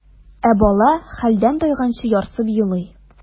Ә бала хәлдән тайганчы ярсып елый.